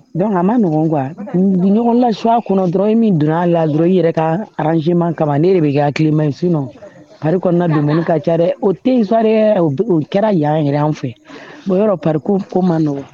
Don a maɔgɔn ga dun ɲɔgɔn la swa kɔnɔ dɔrɔn in min donna a laj yɛrɛ ka ranzciema kama ne de bɛ kɛ tilema insin parri kɔnɔna don ka caɛrɛ o den in sɔre u kɛra yan yɛrɛ an fɛ bon yɔrɔ pariko ko ma nɔgɔya